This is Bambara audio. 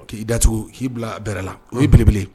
O t'i dacogo k'i bila bɛrɛ la o'i berebele